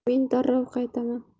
men darrov qaytaman